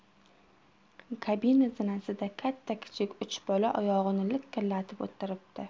kabina zinasida katta kichik uch bola oyog'ini likillatib o'tiribdi